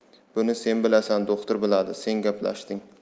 buni sen bilasan do'xtir bilan sen gaplashding